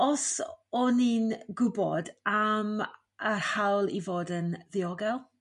os o'n i'n gw'bod am yr hawl i fod yn ddiogel